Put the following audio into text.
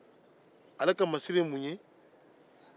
ale ka masiri ye mun ye